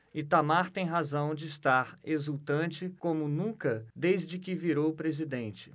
itamar tem razão de estar exultante como nunca desde que virou presidente